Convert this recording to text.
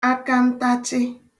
akantachị